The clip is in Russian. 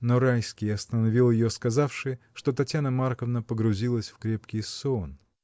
Но Райский остановил ее, сказавши, что Татьяна Марковна погрузилась в крепкий сон.